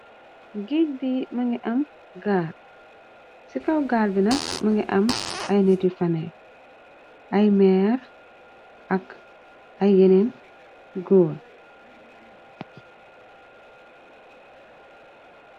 Géej gi mungi am gaal, ci kaw gaal bi nak mungi am ay néti yu fanéka. Ay meer ak ay yeneen góor.